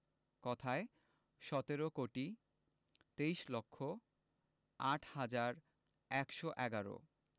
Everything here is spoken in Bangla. কথায়ঃ সতেরো কোটি তেইশ লক্ষ আট হাজার একশো এগারো